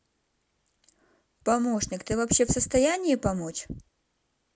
помощник ты вообще в состоянии помочь